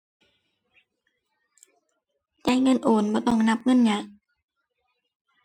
จ่ายเงินโอน บ่ต้องนับเงินยาก